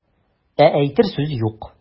Ә әйтер сүз юк.